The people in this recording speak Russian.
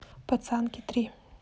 пацанки три